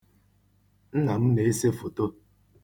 Nna m na-ese foto.